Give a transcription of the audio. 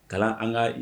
Kalan an ka